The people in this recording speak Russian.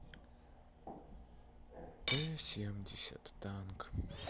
т семьдесят танк